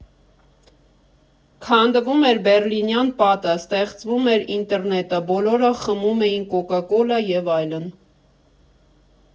Քանդվում էր Բեռլինյան պատը, ստեղծվում էր ինտերնետը, բոլորը խմում էին կոկա֊կոլա, և այլն։